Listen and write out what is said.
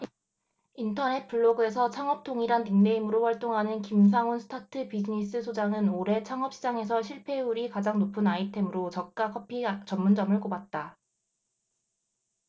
인터넷 블로그에서창업통이란 닉네임으로 활동하는 김상훈 스타트비즈니스 소장은 올해 창업시장에서 실패율이 가장 높은 아이템으로 저가 커피 전문점을 꼽았다